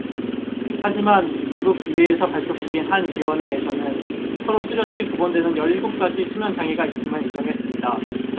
하지만 미국 의회에서 발족시킨 한 위원회에서는 서로 뚜렷이 구분되는 열 일곱 가지 수면 장애가 있음을 인정했습니다